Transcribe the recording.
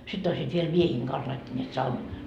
sitten olisivat vielä miesten kanssa laittaneet -